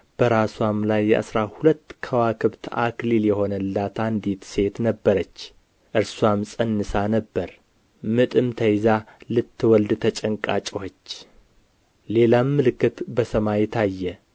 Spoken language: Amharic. በራስዋም ላይ የአሥራ ሁለት ከዋክብት አክሊል የሆነላት አንዲት ሴት ነበረች እርስዋም ፀንሳ ነበር ምጥም ተይዛ ልትወልድ ተጭንቃ ጮኸች ሌላም ምልክት በሰማይ ታየ